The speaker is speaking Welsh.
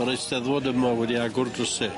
Mae'r Eisteddfod yma wedi agor dryse.